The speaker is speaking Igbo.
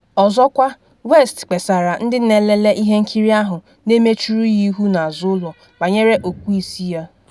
Ọzọkwa, West kpesara ndị n’elele ihe nkiri ahụ na emechuru ya ihu n’azụ ụlọ banyere okpu isi ya.